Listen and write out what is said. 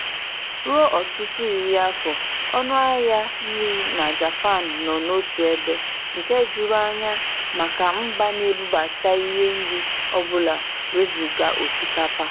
Ruo ọtụtụ iri afọ, ọnụahịa nri na Japan nọ otu ebe, nke juru anya maka mba na-ebubata ihe nri ọbụla wezuga osikapa.